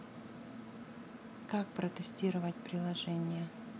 как протестировать приложение